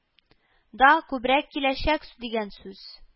Да күбрәк киләчәк дигән сүз